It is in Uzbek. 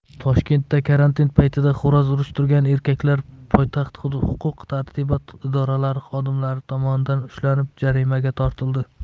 toshkentda karantin paytida xo'roz urishtirgan erkaklar poytaxt huquq tartibot idoralari xodimlari tomonidan ushlanib jarimaga tortildi